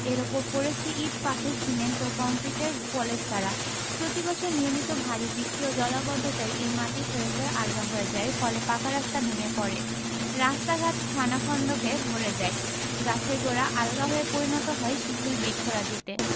এর ওপর পড়েছে ইট পাথর সিমেন্ট ও কংক্রিটের পলেস্তারা প্রতিবছর নিয়মিত ভারি বৃষ্টি ও জলাবদ্ধতায় এই মাটি ক্ষয়ে ক্ষয়ে আলগা হয়ে যায় ফলে পাকা রাস্তা ভেঙ্গে পড়ে রাস্তাঘাট খানাখন্দকে ভরে যায় গাছের গোড়া আলগা হয়ে পরিণত হয় শিথিল বৃক্ষরাজিতে